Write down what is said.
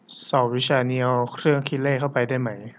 สอบวิชานี้เอาเครื่องคิดเลขเข้าไปได้ไหม